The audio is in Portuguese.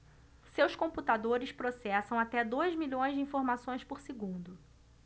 seus computadores processam até dois milhões de informações por segundo